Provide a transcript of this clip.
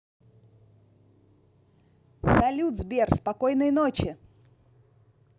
салют сбер спокойной ночи